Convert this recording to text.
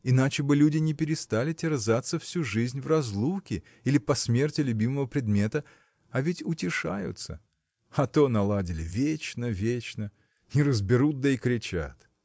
иначе бы люди не перестали терзаться всю жизнь в разлуке или по смерти любимого предмета а ведь утешаются. А то наладили: вечно, вечно!. не разберут, да и кричат.